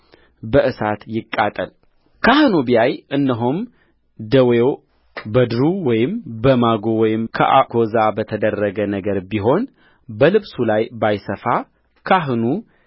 በእሳት ይቃጠልካህኑ ቢያይ እነሆም ደዌው በድሩ ወይም በማጉ ወይም ከአጐዛ በተደረገ ነገር ቢሆን በልብሱ ላይ ባይሰፋካህኑ